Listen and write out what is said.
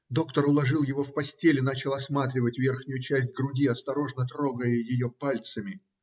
Доктор уложил его в постель и начал осматривать верхнюю часть груди, осторожно трогая ее пальцами.